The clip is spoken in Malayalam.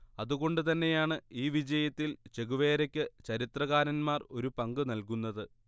അതുകൊണ്ടുതന്നെയാണ് ഈ വിജയത്തിൽ ചെഗുവേരയ്ക്ക് ചരിത്രകാരന്മാർ ഒരു പങ്ക് നല്കുന്നത്